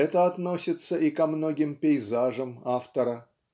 Это относится и ко многим пейзажам автора.